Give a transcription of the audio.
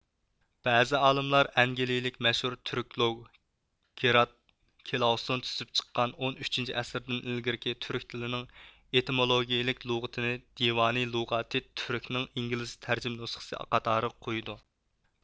بەزى ئالىملار ئەنگىلىيىلىك مەشھۇر تۈرۈكلوگ گېرارد كلاۋسون تۈزۈپ چىققان ئون ئۈچىنچى ئەسىردىن ئىلگىرىكى تۈرك تىلىنىڭ ئېتىمولوگىيىلىك لۇغىتى نى دىۋانۇ لۇغاتىت تۈرك نىڭ ئىنگلىزچە تەرجىمە نۇسخىسى قاتارىغا قويىدۇ